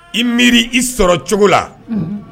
I miiri i sɔrɔ cogo la